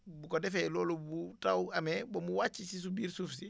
bu ko defee loolu bu taw amee ba mu wàcc ci si sa biir suuf si